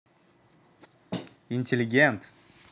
intellegent